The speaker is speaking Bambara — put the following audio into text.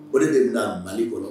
O de' mali kɔnɔ